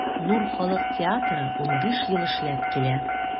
“нур” халык театры 15 ел эшләп килә.